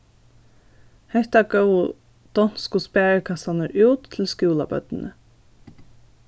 hetta góvu donsku sparikassarnar út til skúlabørnini